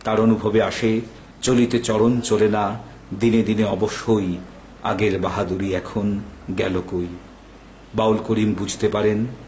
তার অনুভবে আসে চলিতে চরণ চলেনা দিনে দিনে অবশ হই আগের বাহাদুরি এখন গেল কই বাউল করিম বুঝতে পারেন